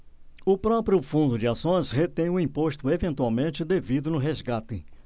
o próprio fundo de ações retém o imposto eventualmente devido no resgate